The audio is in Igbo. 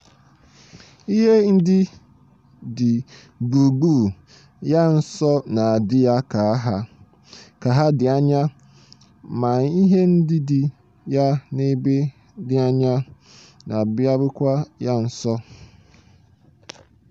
Ihe ndị dị gburugburu ya nso na-adị ya ka ha dị anya ma ihe ndị dị ya n'ebe dị anya na-abịarukwa ya nso.